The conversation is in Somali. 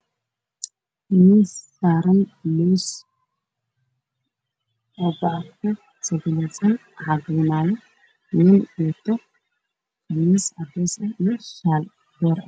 Meeshaan waxaa yaalo loos